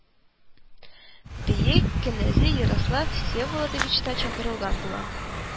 Бөек кенәзе ярослав всеволодович та чакырылган була